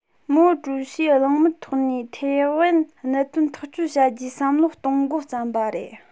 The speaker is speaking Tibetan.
མའོ ཀྲུའུ ཞིས གླེང མོལ ཐོག ནས ཐའེ ཝན གནད དོན ཐག གཅོད བྱ རྒྱུའི བསམ བློ གཏོང འགོ བརྩམས པ རེད